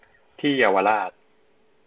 ที่เยาวราช